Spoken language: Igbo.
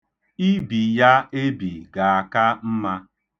Ibi ya ebi ga-aka mma.